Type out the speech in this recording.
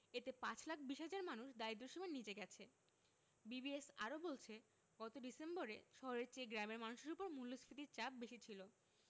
এতে ৫ লাখ ২০ হাজার মানুষ দারিদ্র্যসীমার নিচে গেছে বিবিএস আরও বলছে গত ডিসেম্বরে শহরের চেয়ে গ্রামের মানুষের ওপর মূল্যস্ফীতির চাপ বেশি ছিল